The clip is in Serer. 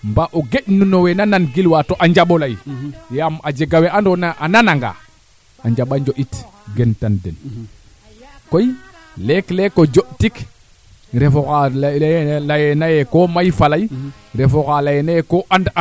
ko leyaam rek o reta nga leyne te gara yoqanaam yaam kam reta a teetar leya xamo sax mee o jofami koy non seulement leyiim me yeyinum kee o fika ndaa kam menancer in menancer in menancer a nongo ten boog to wo yaago simiraamo kaaga